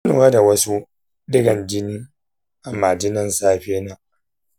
na lura da wasu ɗigan jini a majinan safe na.